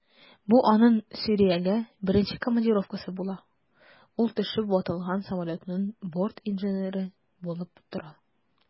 Бу аның Сүриягә беренче командировкасы була, ул төшеп ватылган самолетның бортинженеры булып тора.